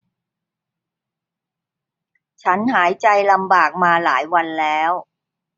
ฉันหายใจลำบากมาหลายวันแล้ว